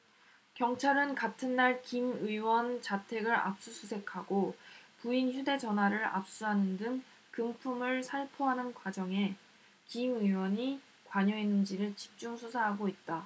경찰은 같은 날 김 의원 자택을 압수수색하고 부인 휴대전화를 압수하는 등 금품을 살포하는 과정에 김 의원이 관여했는지를 집중 수사하고 있다